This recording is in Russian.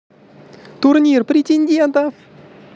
турнир претендентов